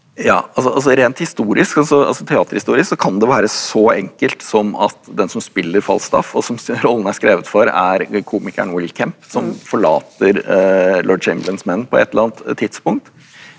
ja altså altså rent historisk altså altså teaterhistorisk så kan det være så enkelt som at den som spiller Falstaff og som rollen er skrevet for er komikeren Will Kemp som forlater Lord Chamberlains menn på et eller annet tidspunkt.